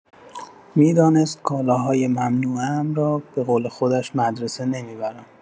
می‌دانست کالاهای ممنوعه‌ام را به قول خودش مدرسه نمی‌برم.